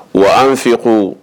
Wa anfiqou